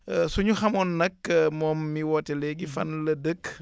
su ñu xamoon nag moom mi woote léegi fan la dëkk